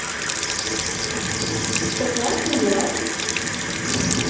что классно дела